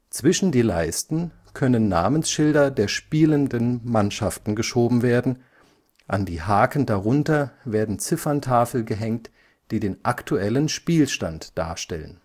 Zwischen die Leisten können Namensschilder der spielenden Mannschaften geschoben werden, an die Haken darunter werden Zifferntafeln gehängt, die den aktuellen Spielstand darstellen